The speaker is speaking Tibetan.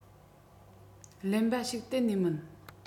གླེན པ ཞིག གཏན ནས མིན